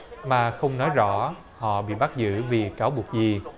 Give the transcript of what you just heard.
mà không nói rõ họ bị bắt giữ vì cáo buộc gì